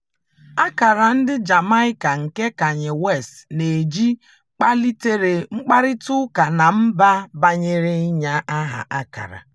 Ákàrà ndị Jamaica nke Kanye West na-eji kpalitere mkparịtaụka na mba banyere inye aha ákàrà'